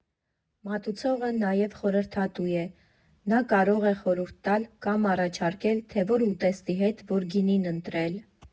Մատուցողը նաև խորհրդատու է, նա կարող է խորհուրդ տալ կամ առաջարկել, թե որ ուտեստի հետ որ գինին ընտրել։